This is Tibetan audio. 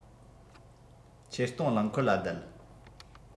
ཆེད གཏོང རླངས འཁོར ལ བསྡད